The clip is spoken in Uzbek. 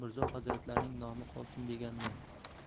mirzo hazratlarining nomi qolsin deganmen